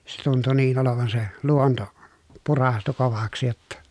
se tuntui niin olevan se luonto puraistu kovaksi jotta